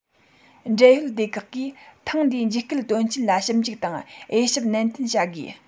འབྲེལ ཡོད སྡེ ཁག གིས ཐེངས འདིའི འཇིགས སྐུལ དོན རྐྱེན ལ ཞིབ འཇུག དང དབྱེ ཞིབ ནན ཏན བྱ དགོས